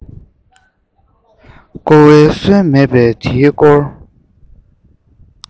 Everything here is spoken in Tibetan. བསྐོ བའི སྲོལ མེད པས དེའི སྐོར